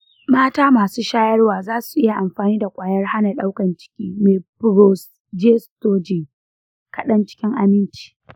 mata masu shayarwa za su iya amfani da ƙwayar hana ɗaukar ciki mai progestogen kaɗai cikin aminci.